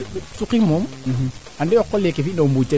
Djiby ande maak we wiin njegu xam xam a ree'u